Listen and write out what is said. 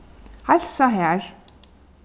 heilsa har